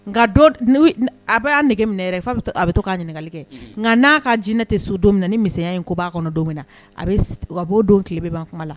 Nka a bɛ nege minɛ yɛrɛ f'a bɛ to k'a ɲininkali kɛ yɛrɛ, nka n'a ka jinɛ in tɛ so don min na, ni misɛnya in ko b'a kɔnɔ don min na, a b'a don tile bɛ ban ma kuma la!